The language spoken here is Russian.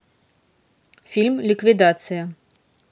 фильм ликвидация